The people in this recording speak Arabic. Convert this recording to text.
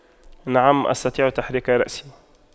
نعم أستطيع تحريك رأسي